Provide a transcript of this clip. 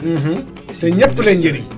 te ñëpp lay njëriñ